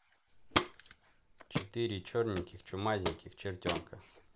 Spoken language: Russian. четыре черненьких чумазеньких чертенка